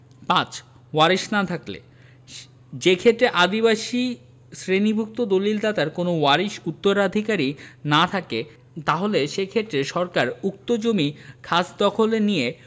৫ ওয়ারিশ না থাকলে যেক্ষেত্রে আদিবাসী শ্রেণীভুক্ত দলিদাতার কোনও ওয়ারিশ উত্তরাধিকারী না থাকে তাহলে সেক্ষেত্রে সরকার উক্ত জমি খাসদখলে নিয়ে